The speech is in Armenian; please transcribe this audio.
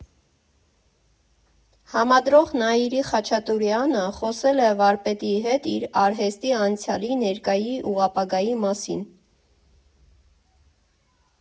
Համադրող Նաիրի Խաչատուրեանը խոսել է վարպետի հետ իր արհեստի անցյալի, ներկայի ու ապագայի մասին։